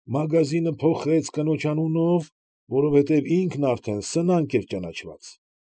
Մագազինը փոխեց կնոջ անունով, որովհետև ինքն արդեն սնանկ էր ճանաչված։